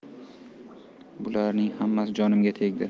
bularning hammasi jonimga tegdi